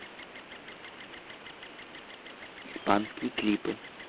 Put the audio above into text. испанские клипы